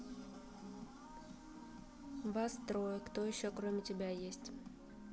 вас трое кто еще кроме тебя есть